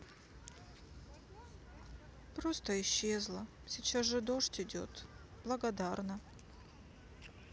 просто исчезла сейчас же дождь идет благодарно